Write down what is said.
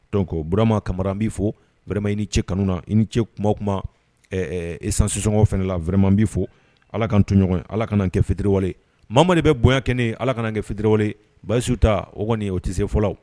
Donc Burama kamara n bɛ i fo vraimnet i ni ce. kanu na, i ni ce. kuma o kuma ɛ ɛ essence sɔngɔ fana la, vraiment n bɛ i fo allah k'an to ɲɔgɔn ye allah kan'an kɛ fitiriwale ye i man, maa o maa de bɛ bonya kɛ ne ye, allah kana n kɛ fitiriwale ye i ma, Bayisu ta o kɔni o tɛ se fɔla wo.